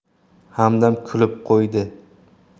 hamdam kulib qo'ydi